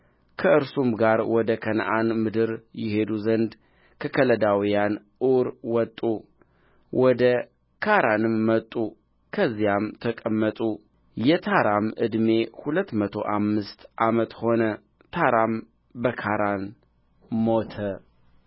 ከእርሱም ጋር ወደ ከነዓን ምድር ይሄዱ ዘንድ ከከለዳውያን ዑር ወጡ ወደ ካራንም መጡ ከዚያም ተቀመጡ የታራም ዕድሜ ሁለት መቶ አምስት ዓመት ሆነ ታራም በካራን ሞተ